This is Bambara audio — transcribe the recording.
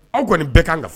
Aw kɔni nin bɛɛ ka kan ka